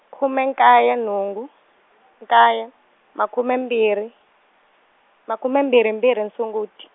khume nkaye nhungu , nkaye, makume mbirhi, makume mbirhi mbirhi Sunguti.